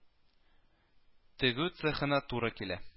Тегү цехына туры килә